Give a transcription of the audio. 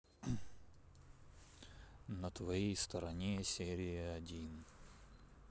на твоей стороне серия один